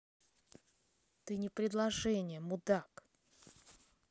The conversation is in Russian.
ты не приложение мудак